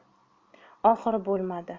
oxiri bo'lmadi